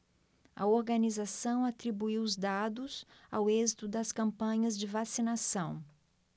a organização atribuiu os dados ao êxito das campanhas de vacinação